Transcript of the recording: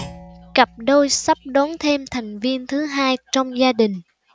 cặp đôi sắp đón thêm thành viên thứ hai trong gia đình